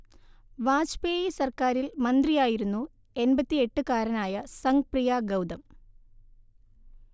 വാജ്പേയ് സർക്കാരിൽ മന്ത്രിയായിരുന്നു എൺപത്തിയെട്ടു കാരനായ സംഗ് പ്രിയ ഗൗതം